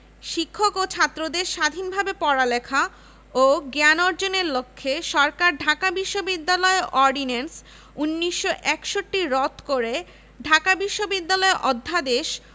শিক্ষক ও ছাত্রদের স্বাধীনভাবে পড়ালেখা ও জ্ঞান অর্জনের লক্ষ্যে সরকার ঢাকা বিশ্ববিদ্যালয় অর্ডিন্যান্স ১৯৬১ রদ করে ঢাকা বিশ্ববিদ্যালয় অধ্যাদেশ